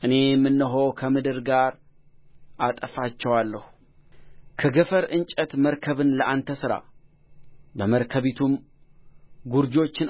ሥጋን የለበሰ ሁሉ በምድር ላይ መንገዱን አበላሽቶ ነበር እግዚአብሔርም ኖኅን አለው የሥጋ ሁሉ ፍጻሜ